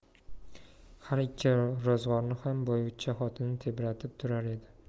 har ikki ro'zg'orni ham boyvuchcha xotini tebratib turar edi